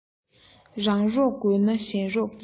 རང རོགས དགོས ན གཞན རོགས གྱིས